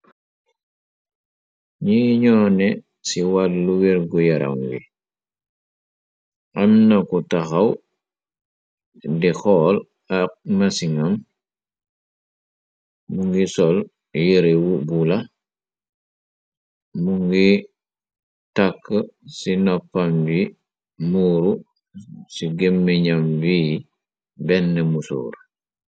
Ñi ñoone ci wàllu wergu yaram wi, amna ku taxaw di xool ak masingham, mu ngi sol yeri bu la, mu ngi tàkk ci noppam bi muuru, ci gémi ñam wi, benn mu suur.